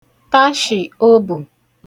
tashì obù